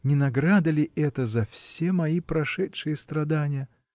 Не награда ли это за все мои прошедшие страдания?.